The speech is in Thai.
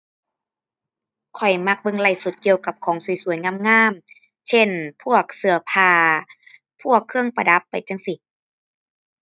ข้อยมักเบิ่งไลฟ์สดเกี่ยวกับของสวยสวยงามงาม เช่น พวกเสื้อผ้า พวกเครื่องประดับไปจั่งซี้